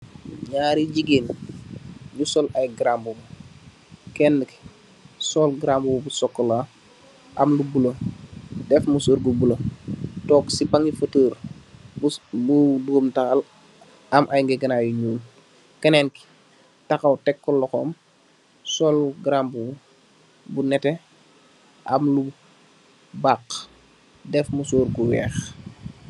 Ñarri jigéen bu sol ay garambu, keenë ki sol garambu bu sokolaa am lu bulo, def musoor gu bulo, toog si bàngi fotoor, bu döom taal, am ay ñegenaay yu ñuul. Kenen ki taxaw tek ko loxom sol garambu bu nétte, am lu baxxë, def musoor gu weex.